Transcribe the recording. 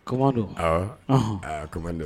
Kɔnman don aa koman dɛ